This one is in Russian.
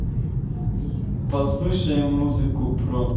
послушаем музыку про